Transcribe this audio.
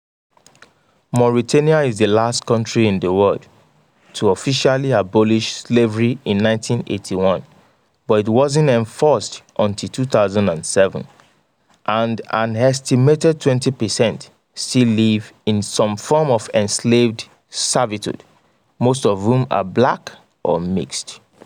Mauritania is the last country in the world to officially abolish slavery in 1981 but it wasn't enforced until 2007 and an estimated 20 percent still live in some form of enslaved servitude, most of whom are black or mixed.